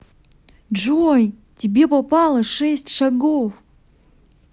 джой тебе попало шесть шагов